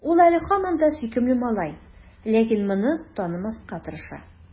Ул әле һаман да сөйкемле малай, ләкин моны танымаска тырыша.